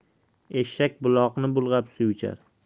eshak buloqni bulg'ab suv ichar